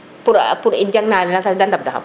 pour pour i janga na den de ndab da xam